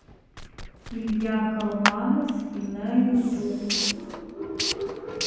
илья колмановский на youtube